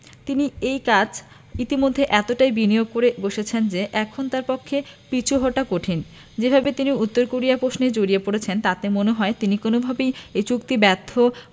তিনি এই কাজে ইতিমধ্যে এতটাই বিনিয়োগ করে বসেছেন যে এখন তাঁর পক্ষে পিছু হটা কঠিন যেভাবে তিনি উত্তর কোরিয়া প্রশ্নে জড়িয়ে পড়েছেন তাতে মনে হয় তিনি কোনোভাবেই এই চুক্তি ব্যর্থ